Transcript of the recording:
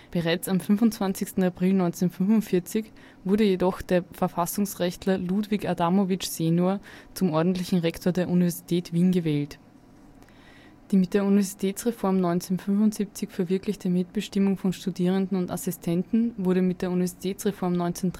Bereits am 25. April 1945 wurde jedoch der Verfassungsrechtler Ludwig Adamovich senior zum ordentlichen Rektor der Universität Wien gewählt. Die mit der Universitätsreform 1975 verwirklichte Mitbestimmung von Studierenden und Assistenten wurde mit der Universitätsreform 1993